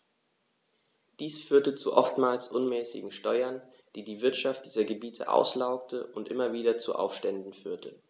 Dies führte zu oftmals unmäßigen Steuern, die die Wirtschaft dieser Gebiete auslaugte und immer wieder zu Aufständen führte.